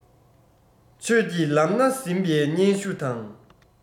ཆོས ཀྱི ལམ སྣ ཟིན པའི སྙན ཞུ དང